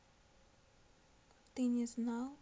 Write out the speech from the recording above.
ты не знал